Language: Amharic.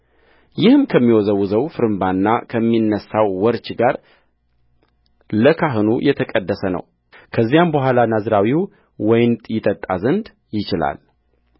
ይህም ከሚወዘወዘው ፍርምባና ከሚነሣው ወርች ጋር ለካህኑ የተቀደሰ ነው ከዚያም በኋላ ናዝራዊው ወይን ይጠጣ ዘንድ ይችላል